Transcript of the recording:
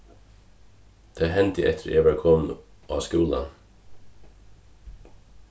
tað hendi eftir eg var komin á skúlan